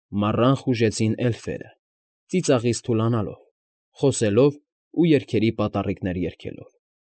Մառան խուժեցին էլֆերը, ծիծաղից թուլանալով, խոսելով ու երգերի պատառիկներ երգելով։